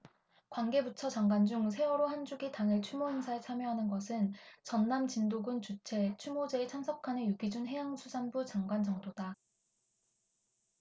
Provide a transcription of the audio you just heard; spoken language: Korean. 관계 부처 장관 중 세월호 한 주기 당일 추모 행사에 참여하는 것은 전남 진도군 주최 추모제에 참석하는 유기준 해양수산부 장관 정도다